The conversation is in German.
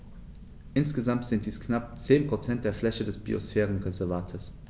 Insgesamt sind dies knapp 10 % der Fläche des Biosphärenreservates.